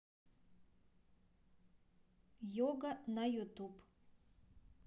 йога на ютуб